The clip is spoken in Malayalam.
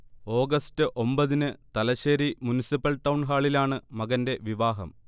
ഓഗസ്റ്റ് ഒമ്പതിന് തലശ്ശേരി മുനിസിപ്പൽ ടൗൺഹാളിലാണ് മകന്റെ വിവാഹം